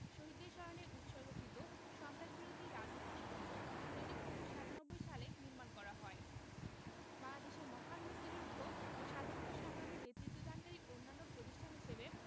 শহীদদের স্মরণে উৎসর্গকৃত সন্ত্রাসবিরোধী রাজু ভাস্কর্য যেটি১৯৯৭ সালে নির্মাণ করা হয় বাংলাদেশের মহান মুক্তিযুদ্ধ ও স্বাধীনতা সংগ্রামে নেতৃত্বদানকারী অনন্য প্রতিষ্ঠান হিসেবে